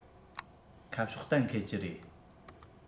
ཁ ཕྱོགས གཏན འཁེལ གྱི རེད